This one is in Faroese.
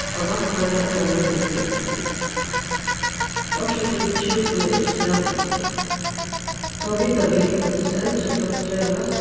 á lættari ella verri stigi orsøkin til sjúkuna er ikki staðfest tó vita vit at tess eldri fólk gerast